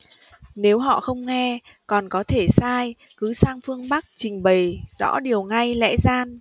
nếu họ không nghe còn có thể sai sứ sang phương bắc trình bày rõ điều ngay lẽ gian